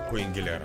A ko in gɛlɛya